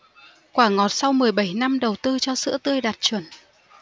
quả ngọt sau mười bảy năm đầu tư cho sữa tươi đạt chuẩn